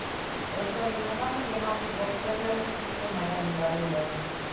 Рөстәм Миңнеханов яңа футбол стадионы төзелеше мәйданында булды.